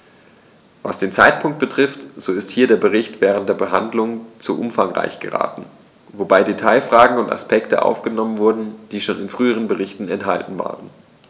Was den Zeitpunkt betrifft, so ist hier der Bericht während der Behandlung zu umfangreich geraten, wobei Detailfragen und Aspekte aufgenommen wurden, die schon in früheren Berichten enthalten waren.